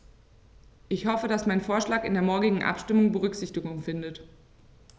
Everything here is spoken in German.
Ich hoffe, dass mein Vorschlag in der morgigen Abstimmung Berücksichtigung findet.